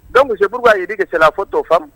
Dɔnku musouru kaa ye de gese a fɔ tɔ faamumu